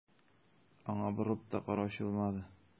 Аңа борылып та караучы булмады.